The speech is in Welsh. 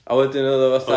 A wedyn o'dd o fatha...